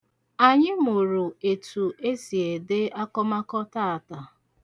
Anyị mụrụ etu esi ede akọmakọ taata.